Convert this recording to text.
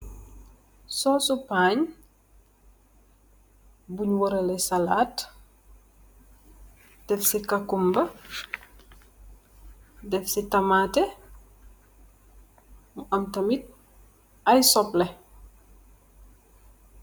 Suss paanj bunj bureh ak salad, defsi cucumber defsi tamateh mu amm tamit aye supleh.